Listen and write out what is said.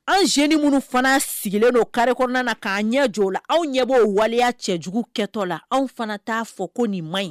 An zeneni minnu fana sigilen don kari kɔnɔna na k'a ɲɛ jɔ la anw ɲɛ b'o waleya cɛjugu kɛtɔ la anw fana t'a fɔ ko nin ma ɲi